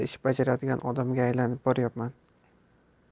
ish bajaradigan odamga aylanib boryapman